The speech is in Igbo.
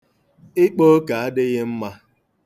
Ịkpa oke adịghị mma.